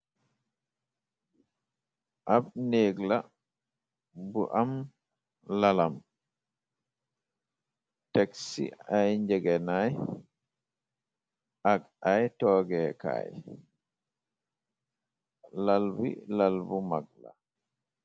Ab neeg la bu am lalam texci ay njegenaay ak ay toogeekaay lalbu lal bu mag la.